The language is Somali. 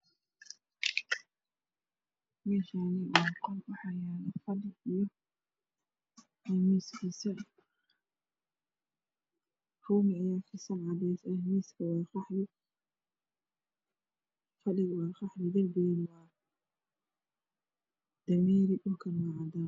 Meeshaan waa qol waxaa yaalo fadhi iyo miis kiisa roog ayaa kufidsan. Miisku waa qaxwi, fadhigu waa qaxwi, rooguna waa dameeri, dhulkuna waa cadaan.